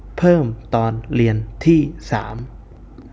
เพิ่มตอนเรียนที่สาม